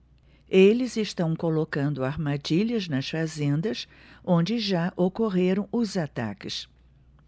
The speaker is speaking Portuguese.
eles estão colocando armadilhas nas fazendas onde já ocorreram os ataques